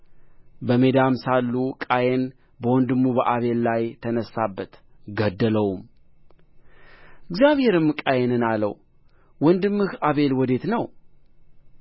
በሜዳም ሳሉ ቃየን በወንድሙ በአቤል ላይ ተነሣበት ገደለውም እግዚአብሔርም ቃየንን አለው ወንድምህ አቤል ወዴት ነው